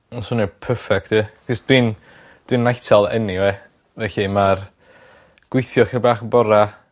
Ma' wnna'n swnio perffect ie? 'Chos dwi'n dwi'n night owl eniwe felly ma'r gwithio chydi bach yn bora